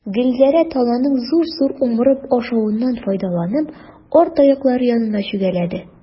Гөлзәрә, тананың зур-зур умырып ашавыннан файдаланып, арт аяклары янына чүгәләде.